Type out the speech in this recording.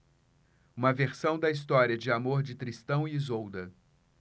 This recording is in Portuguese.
uma versão da história de amor de tristão e isolda